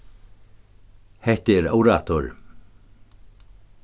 hetta er órættur